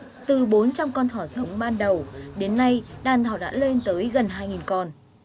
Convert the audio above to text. từ bốn trăm con thỏ giống ban đầu đến nay đàn thỏ đã lên tới gần hai nghìn con